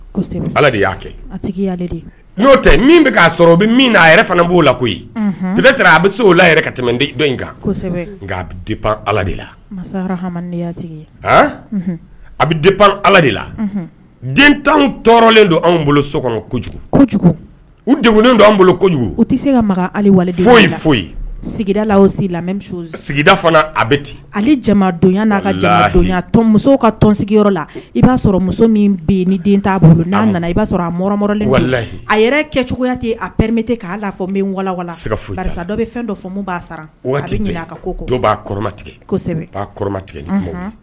O bɛ a b' la ko n a bɛ se la ka tɛmɛ a bɛ de la den tɔɔrɔlen don bolo so kɔnɔ kojugu don kojugu tɛ se ka foyi foyidada n'a muso ka tɔn la i'a sɔrɔ muso bɛ ni den bolo i b'a sɔrɔ a a kɛ cogoyaa fɛn dɔ